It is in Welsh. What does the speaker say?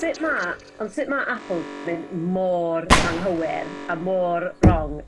Sut ma' ond sut ma' Apple mynd mor anghywir a mor rong